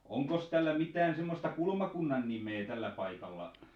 onkos tällä mitään semmoista kulmakunnan nimeä tällä - paikalla